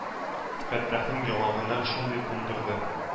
Фәттахның яңагына шундый кундырды,